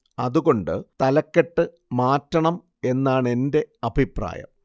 അതുകൊണ്ട് തലക്കെട്ട് മാറ്റണം എന്നാണെന്റെ അഭിപ്രായം